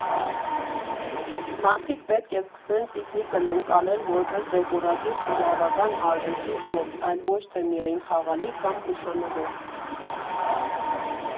Մարդիկ պետք է սկսեն տիկնիկն ընկալել որպես դեկորատիվ֊կիրառական արվեստի գործ, այլ ոչ թե միայն խաղալիք կամ հուշանվեր»։